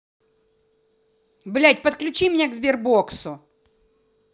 блядь подключи меня к сбербоксу